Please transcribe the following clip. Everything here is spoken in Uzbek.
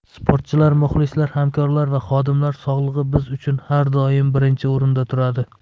sportchilar muxlislar hamkorlar va xodimlar sog'lig'i biz uchun har doim birinchi o'rinda turadi